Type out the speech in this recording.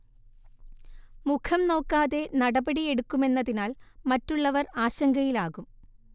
മുഖം നോക്കാതെ നടപടി എടുക്കുമെന്നതിനാൽ മറ്റുള്ളവർ ആശങ്കയിൽ ആകും